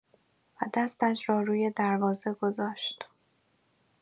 و دستش را روی دروازه گذاشت.